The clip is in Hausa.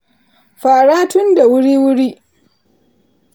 fara tun da wuri-wuri